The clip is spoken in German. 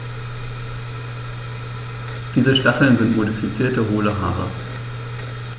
Diese Stacheln sind modifizierte, hohle Haare.